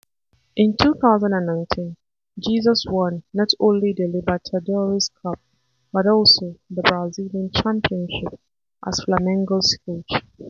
In 2019, Jesus won not only the Libertadores Cup, but also the Brazilian Championship as Flamengo's coach.